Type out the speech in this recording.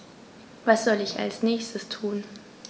Was soll ich als Nächstes tun?